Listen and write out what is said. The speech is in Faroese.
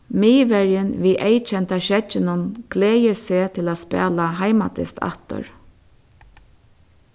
miðverjin við eyðkenda skegginum gleðir seg til at spæla heimadyst aftur